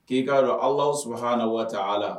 K'i k'a dɔn allahu subahaana waa itaala